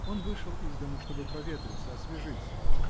Он вышел из дому, чтобы проветриться, освежиться.